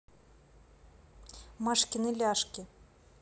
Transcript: машкины ляшки